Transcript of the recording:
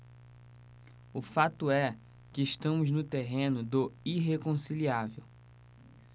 o fato é que estamos no terreno do irreconciliável